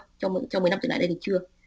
trong mười năm trở lại đây thì chưa